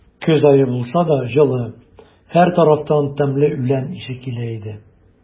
Көз ае булса да, җылы; һәр тарафтан тәмле үлән исе килә иде.